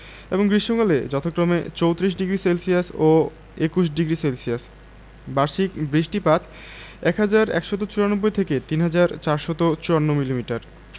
এবং গ্রীষ্মকালে যথাক্রমে ৩৪ডিগ্রি সেলসিয়াস ও ২১ডিগ্রি সেলসিয়াস বার্ষিক বৃষ্টিপাত ১হাজার ১৯৪ থেকে ৩হাজার ৪৫৪ মিলিমিটার